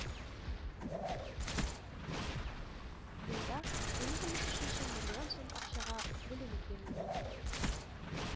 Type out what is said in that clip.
Елда туризм үсеше өчен миллион сум акча бүленеп бирелгән